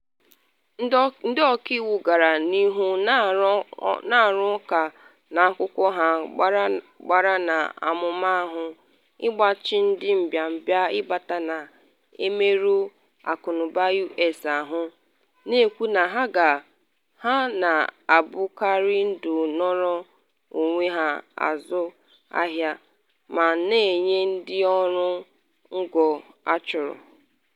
Ndị ọka iwu gara n’ihu na-arụ ụka n’akwụkwọ ha gbara na amụma ahụ ịgbachi ndị mbịambịa ịbata na-emerụ akụnụba U.S ahụ, na-ekwu na ha na-abụkarị ndị nọrọ onwe ha azụ ahịa ma “na-enye ndị ọrụ ngo achọrọ.”